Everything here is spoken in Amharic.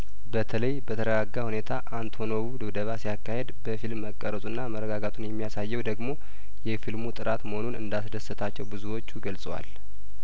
በተለይ በተረጋጋ ሁኔታ አንቶኖቩ ድብደባ ሲያካሂድ በፊልም መቀረጹና መረጋጋቱን የሚያሳየው ደግሞ የፊልሙ ጥራት መሆኑን እንዳስ ደሰታቸው ብዙዎቹ ገልጸዋል